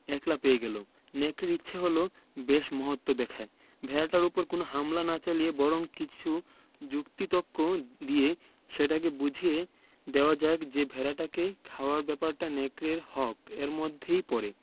একলা পেয়ে গেল নেকড়ের ইচ্ছে হল বেশ মহত্ব দেখায় ভেড়াটার উপর কোন হামলা না চালিয়ে বরং কিছু যুক্তি তক্ক দিয়ে সেটাকে বুঝিয়ে দেওয়া যাক যে ভেড়াটাকে খাওয়ার ব্যাপারটা নেকড়ের হক এর মধ্যেই পড়ে